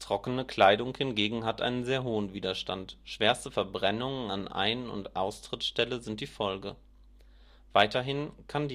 Trockene Kleidung hingegen hat einen sehr hohen Widerstand, schwerste Verbrennungen an Ein - und Austrittsstelle sind die Folge. Weiterhin kann